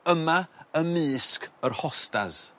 Yma ymysg yr hostas.